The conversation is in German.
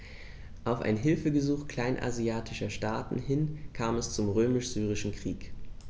Auf ein Hilfegesuch kleinasiatischer Staaten hin kam es zum Römisch-Syrischen Krieg.